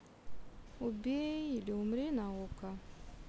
убей или умри на окко